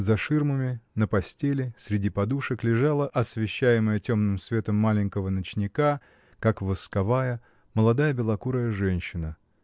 За ширмами, на постели, среди подушек, лежала, освещаемая темным светом маленького ночника, как восковая, молодая белокурая женщина.